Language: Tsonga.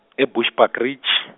e- Bushbuckridge.